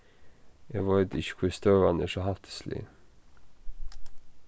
eg veit ikki hví støðan er so hættislig